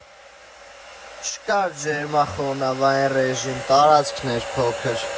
Չկար ջերմախոնավային ռեժիմ, տարածքն էր փոքր.